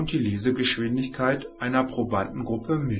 Lesegeschwindigkeit einer Probandengruppe